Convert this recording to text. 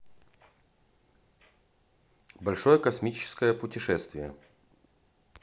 большое космическое путешествие